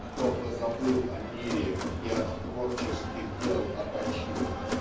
Кто позабыл о мире и от творческих дел опочил?